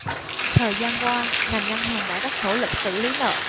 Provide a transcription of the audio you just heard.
thời gian qua ngành ngân hàng đã rất nỗ lực xử lý nợ